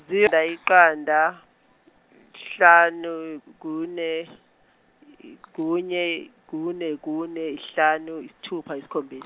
yiqanda, kuhlanu, kune, i- kunye, kune kune yisihlanu yisithupha yisikhombis-.